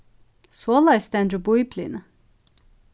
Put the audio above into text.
soleiðis stendur í bíbliuni